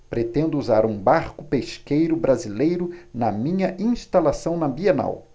pretendo usar um barco pesqueiro brasileiro na minha instalação na bienal